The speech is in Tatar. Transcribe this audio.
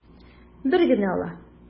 Бер генә ала.